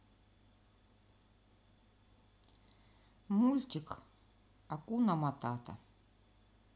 мультик акуна матата